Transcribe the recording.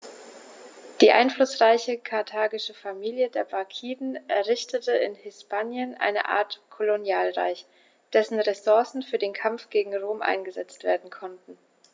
Die einflussreiche karthagische Familie der Barkiden errichtete in Hispanien eine Art Kolonialreich, dessen Ressourcen für den Kampf gegen Rom eingesetzt werden konnten.